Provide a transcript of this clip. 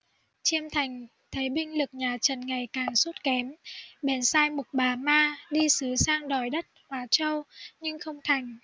chiêm thành thấy binh lực nhà trần ngày càng sút kém bèn sai mục bà ma đi sứ sang đòi đất hóa châu nhưng không thành